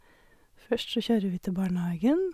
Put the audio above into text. Først så kjører vi til barnehagen.